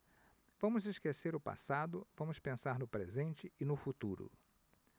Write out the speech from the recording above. vamos esquecer o passado vamos pensar no presente e no futuro